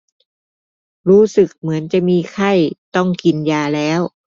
รู้สึกเหมือนจะมีไข้ต้องกินยาแล้ว